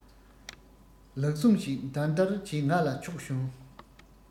ལག ཟུང ཞིག འདར འདར གྱིས ང ལ ཕྱོགས བྱུང